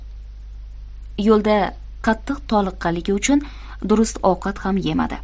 yo'lda qattiq toliqqanligi uchun durust ovqat ham yemadi